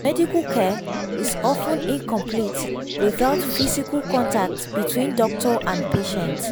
“Medical care is often incomplete without physical contact between doctor and patient.